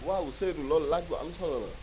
waaw Seydou loolu laaj bu am solo la